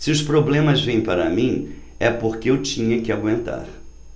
se os problemas vêm para mim é porque eu tinha que aguentar